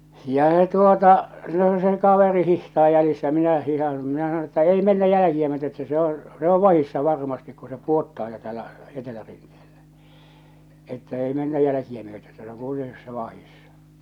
ja se tuota no se kaveri hiihtää jäljessä ja minä hiihdän minä sanon että ei mennä jälkiä myöten että se on se on vahdissa varmasti kun se pudottaa jo täällä etelärinteellä että ei mennä jälkiä myöten että se on kuitenkin tuossa vahdissa